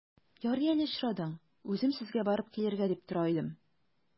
Ярый әле очрадың, үзем сезгә барып килергә дип тора идем.